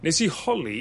Wnes i holi...